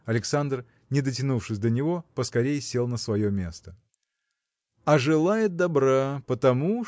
Александр, не дотянувшись до него, поскорей сел на свое место. – А желает добра потому